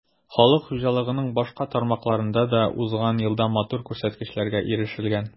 Халык хуҗалыгының башка тармакларында да узган елда матур күрсәткечләргә ирешелгән.